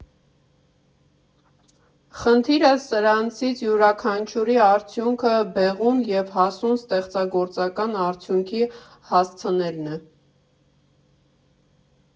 Խնդիրը սրանցից յուրաքանչյուրի արդյունքը բեղուն և հասուն ստեղծագործական արդյունքի հասցնելն է։